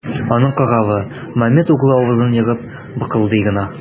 Аның каравы, Мамед углы авызын ерып быкылдый гына.